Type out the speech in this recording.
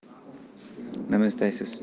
nima istaysiz